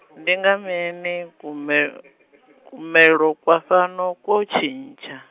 ndinga mini kume , kumelo kwa fhano ko tshintsha?